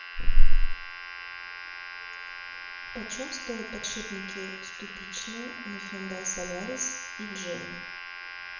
почем стоят подшипники ступичные на hyundai solaris и jean